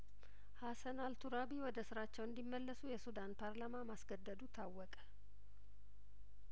ሀሰን አልቱራቢ ወደ ስራቸው እንዲመለሱ የሱዳን ፓርላማ ማስ ገደዱ ታወቀ